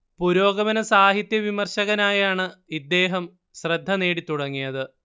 പുരോഗമന സാഹിത്യവിമർശകനായാണ് ഇദ്ദേഹം ശ്രദ്ധ നേടിത്തുടങ്ങിയത്